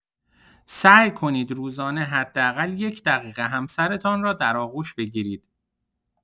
سعی کنید روزانه حداقل یک دقیقه همسرتان را در آغوش بگیرید.